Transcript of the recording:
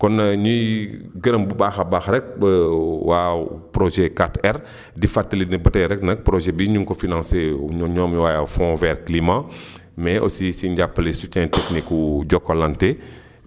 kon ñuy gërëm bu baax a baax rekk waa projet 4R di fàttali ne ba tay rekk nag projet bii ñu ngi ko financé ñoom waa fond vert climat mais aussi si njàppale soutien technique Jokalante